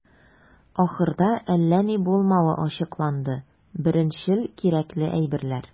Ахырда, әллә ни булмавы ачыкланды - беренчел кирәкле әйберләр.